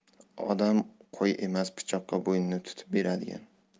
odam qo'y emas pichoqqa bo'ynini tutib beradigan